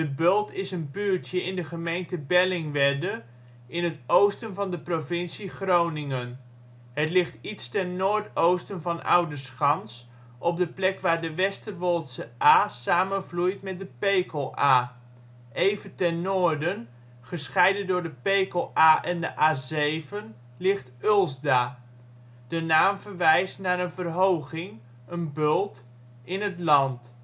Bult is een buurtje in de gemeente Bellingwedde in het oosten van de provincie Groningen. Het ligt iets ten noordoosten van Oudeschans op de plek waar de Westerwoldse Aa samenvloeit met de Pekel Aa. Even ten noorden, gescheiden door de Pekel Aa en de A7 ligt Ulsda. De naam verwijst naar een verhoging (bult) in het land